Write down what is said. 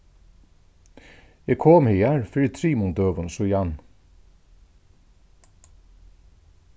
eg kom higar fyri trimum døgum síðan